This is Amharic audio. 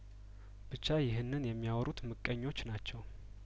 ብቻ ይህንን የሚያወሩ ትምቀኞች ናቸው